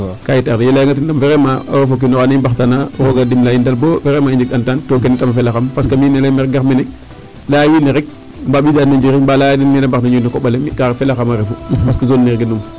Kaa i tarder ye layoonga ten vraiment o ref o kiin oxa andoon yee i mbaxtana roog a dimle'a in daal bo i njeg entente to ken tam a felaxam .Parce que meraam o gar mene laya wiin we rek ka felaxam a refu parce que zone ne genum.